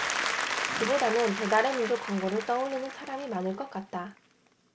그보다는 배달의민족 광고를 떠올리는 사람이 많을 것 같다